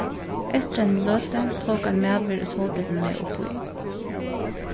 eftir eini løtu tók ein maður í sólbrillum meg uppí